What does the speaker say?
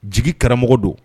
Jigi karamɔgɔ don